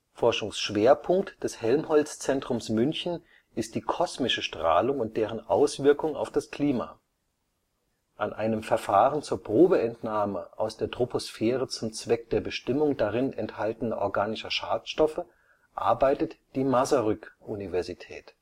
Forschungsschwerpunkt des Helmholtz-Zentrums München ist die kosmische Strahlung und deren Auswirkung auf das Klima. An einem Verfahren zur Probeentnahme aus der Troposphäre zum Zweck der Bestimmung darin enthaltener organischer Schadstoffe arbeitet die Masaryk-Universität